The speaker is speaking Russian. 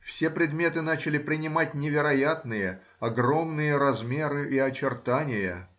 Все предметы начали принимать невероятные, огромные размеры и очертания